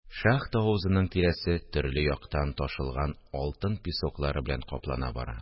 Шахта авызының тирәсе төрле яктан ташылган алтын песоклары белән каплана бара